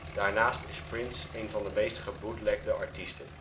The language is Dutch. Daarnaast is Prince een van de meest gebootlegde artiesten